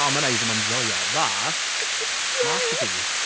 Harmonising on 'joio' that... joio ...masterpiece.